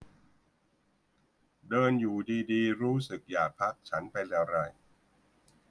เดินอยู่ดีดีรู้สึกอยากพักฉันเป็นอะไร